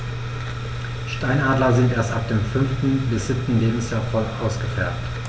Steinadler sind erst ab dem 5. bis 7. Lebensjahr voll ausgefärbt.